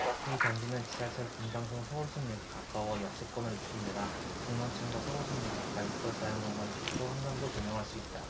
이 단지는 지하철 분당선 서울숲역이 가까워 역세권 입지를 갖춘 데다 중랑천과 서울숲이 가까이에 있어 자연경관이 좋고 한강도 조망할 수 있다